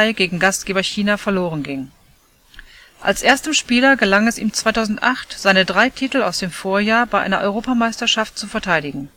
gegen Gastgeber China verloren ging. Als erstem Spieler gelang es ihm 2008, seine drei Titel aus dem Vorjahr bei einer Europameisterschaft zu verteidigen